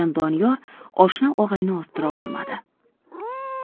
doniyor oshna og'ayni orttira olmadi